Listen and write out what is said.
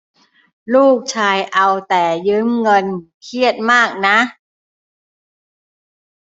ลูกชายเอาแต่ยืมเงินเครียดมากนะ